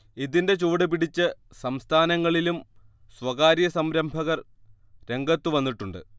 ഇതിന്റെ ചുവടുപിടിച്ച് സംസ്ഥാനങ്ങളിലും സ്വകാര്യ സംരംഭകർ രംഗത്തു വന്നിട്ടുണ്ട്